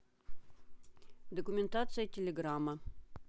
документация телеграма